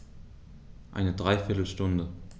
Eine dreiviertel Stunde